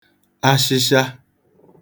ashịshịa